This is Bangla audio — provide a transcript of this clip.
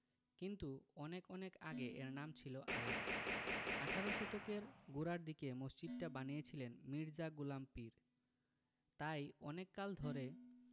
কিন্তু অনেক অনেক আগে এর নাম ছিল আলাদা আঠারো শতকের গোড়ার দিকে মসজিদটা বানিয়েছিলেন মির্জা গোলাম পীর তাই অনেক কাল ধরে